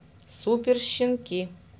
супер щенки